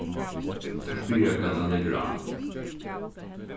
teir spyrja hvat hann leggur á